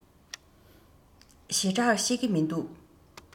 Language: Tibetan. ཞེ དྲགས ཤེས ཀྱི མི འདུག